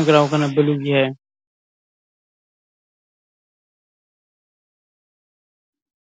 bank